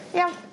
Iawn.